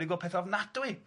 wedi gweld pethau ofnadwy